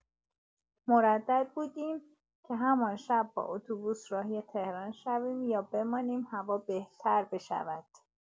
مردد بودیم که همان شب با اتوبوس راهی تهران شویم یا بمانیم هوا بهتر بشود.